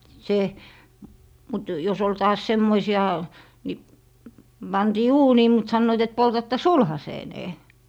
se mutta jos oli taas semmoisia niin pantiin uuniin mutta sanoivat että poltatte sulhasenne